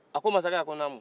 a ko masakɛ a ko naamu